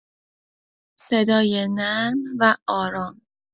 صدای نرم و آرام